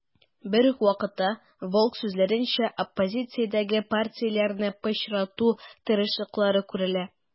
Берүк вакытта, Волк сүзләренчә, оппозициядәге партияләрне пычрату тырышлыклары күрелә.